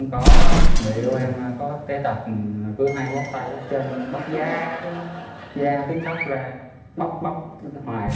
cũng có người yêu em có cái tật cứ hay bóc tay bóc chân bóc da da cứ tróc ra bóc bóc hoài à